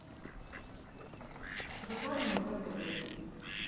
с трудом мне в это верит